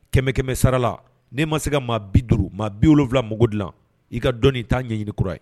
Kɛmɛkɛmɛ sarala n'e ma se ka maa 50 maa 70 mago dilan i ka dɔnnin ta ɲɛɲini kura ye